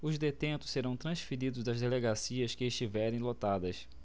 os detentos serão transferidos das delegacias que estiverem lotadas